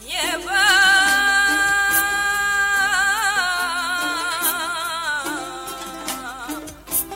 Ygo